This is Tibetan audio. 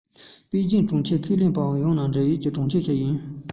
པེ ཅིང གྲོང ཁྱེར ཁས ལེན པའམ ཡང ན འབྲེལ ཡོད གྲོང ཁྱེར ཞིག ཡིན